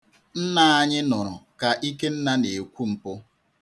Nna anyị nụrụ ka Ikenna na-ekwu mpụ.